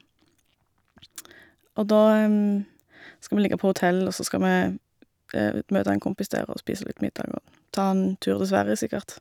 Og da skal vi ligge på hotell, og så skal vi møte en kompis der og spise litt middag og ta en tur til Sverige, sikkert.